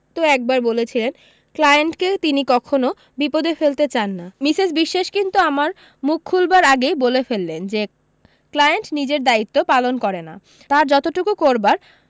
তো একবার বলেছিলেন ক্লায়েণ্টকে তিনি কখনো বিপদে ফেলতে চান না মিসেস বিশ্বাস কিন্তু আমার মুখ খুলবার আগেই বলে ফেললেন যে ক্লায়েন্ট নিজের দ্বায়িত্ব পালন করে না তার যতটুকু করবার